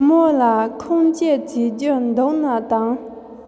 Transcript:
མོ ལ ཁུངས སྐྱེལ བྱེད རྒྱུ འདུག ན དང